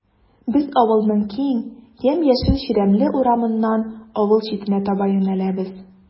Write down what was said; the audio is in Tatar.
Без авылның киң, ямь-яшел чирәмле урамыннан авыл читенә таба юнәләбез.